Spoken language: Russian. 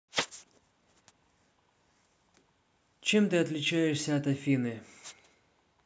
чем ты отличаешься от афины